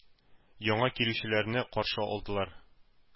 Яңа килүчеләрне каршы алдылар.